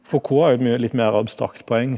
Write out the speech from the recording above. Foucault er jo mye litt mer abstrakt poeng.